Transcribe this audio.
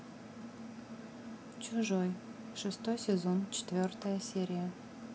чужой шестой сезон четвертая серия